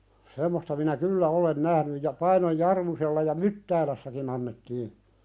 semmoista minä kyllä olen nähnyt ja Painon Jarmusella ja Myttäälässäkin annettiin